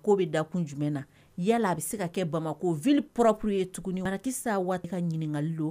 Ko' bɛ da kun jumɛn na yala a bɛ se ka kɛ bamakɔ v ppur ye tugunikisɛ waati ɲininkakali don